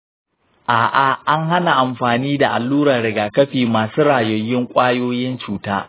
a’a, an hana amfani da alluran rigakafi masu rayayyun ƙwayoyin cuta.